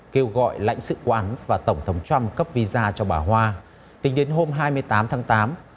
kêu gọi lãnh sự quán và tổng thống trăm cấp vi ra cho bà hoa tính đến hôm hai mươi tám tháng tám